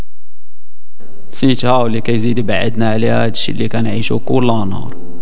سيجاره لكي يزيد بعدنا علاج اللي كان عيش وكولا نار